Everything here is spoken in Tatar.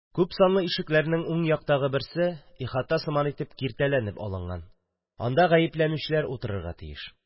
Күпсанлы ишекләрнең уң яктагы берсе ихата сыман итеп киртәләнеп алынган: анда гаепләнүчеләр утырырга тиеш.